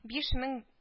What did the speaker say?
Биш мең